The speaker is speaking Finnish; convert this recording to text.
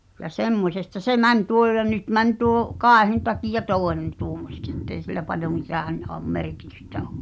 ja semmoisesta se meni tuo jo ja nyt meni tuo kaihin takia toinen tuommoiseksi että ei sillä paljon mitään ole merkitystä ole